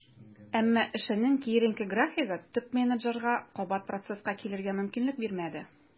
Әмма эшенең киеренке графигы топ-менеджерга кабат процесска килергә мөмкинлек бирмәде.